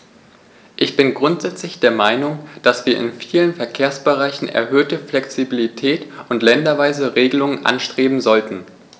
Ich bin grundsätzlich der Meinung, dass wir in vielen Verkehrsbereichen erhöhte Flexibilität und länderweise Regelungen anstreben sollten.